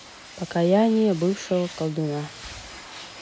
покаяние бывшего колдуна